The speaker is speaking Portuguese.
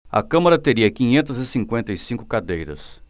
a câmara teria quinhentas e cinquenta e cinco cadeiras